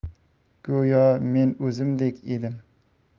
go'yo men o'zimdek edim